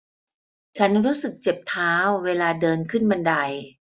ฉันรู้สึกเจ็บเท้าเวลาเดินขึ้นบันได